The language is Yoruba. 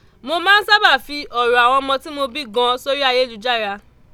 Mo máa ń sábà fi ọ̀rọ̀ àwọn ọmọ tí mo bí gan an sórí ayélujára.